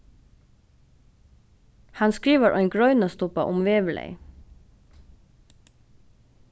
hann skrivar ein greinarstubba um veðurlagið